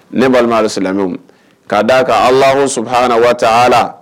Ne balima ala silamɛ k'a d'a ka alahɔnso ha na waati ala